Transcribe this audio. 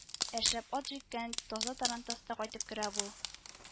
Ә шәп ат җиккән таза тарантаста кайтып керә бу